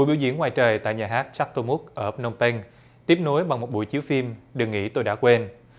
biểu diễn ngoài trời tại nhà hát chắc tô múc ở phờ nôm pênh tiếp nối bằng một buổi chiếu phim đừng nghĩ tôi đã quên